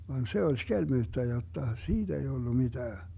vaan se oli skelmyyttä jotta siitä ei tullut mitään